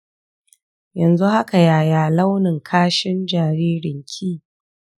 yanzu haka yaya launin kashin jaririnki?